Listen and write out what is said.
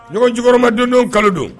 Ɲɔgɔn j madon kalo don